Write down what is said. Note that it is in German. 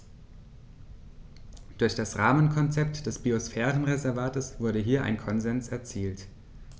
Durch das Rahmenkonzept des Biosphärenreservates wurde hier ein Konsens erzielt.